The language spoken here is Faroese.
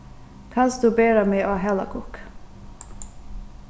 kanst tú bera meg á halakukk